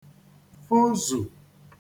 fụzù